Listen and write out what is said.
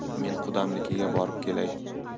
men qudamnikiga borib kelay